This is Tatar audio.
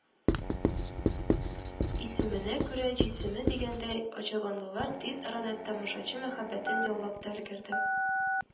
Исеменә күрә – җисеме, дигәндәй, аҗаганлылар тиз арада тамашачы мәхәббәтен яулап та өлгерде